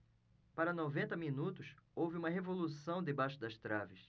para noventa minutos houve uma revolução debaixo das traves